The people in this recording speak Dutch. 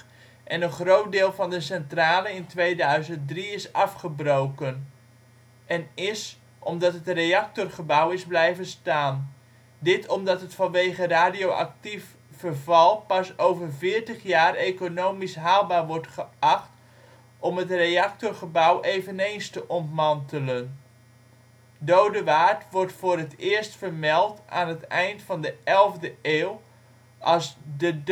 en een groot deel van de centrale in 2003 is afgebroken, en is omdat het reactorgebouw is blijven staan, dit omdat het vanwege radioactief verval pas over 40 jaar economisch haalbaar wordt geacht om het reactorgebouw eveneens te ontmantelen. Dodewaard wordt voor het eerst vermeld aan het eind van de 11e eeuw als de Dodeuuero